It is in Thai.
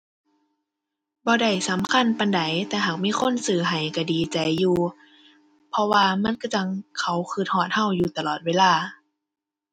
บ่ได้สำคัญปานใด แต่หากมีคนซื้อให้ก็ดีใจอยู่ เพราะว่ามันคือจั่งเขาก็ฮอดก็อยู่ตลอดเวลา